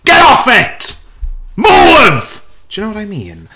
Get off it! MOVE! Do you know what I mean?